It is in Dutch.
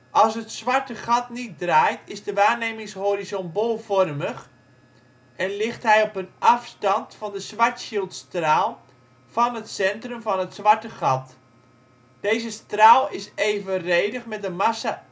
Als het zwarte gat niet draait, is de waarnemingshorizon bolvormig en ligt hij op een afstand van de Schwarzschildstraal van het centrum van het zwarte gat. Deze straal is evenredig met de massa